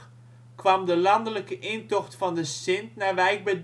kwam de landelijke intocht van de Sint naar Wijk bij Duurstede